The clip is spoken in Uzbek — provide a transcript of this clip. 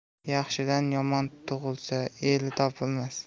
yaxshidan yomon tug'ilsa eli topilmas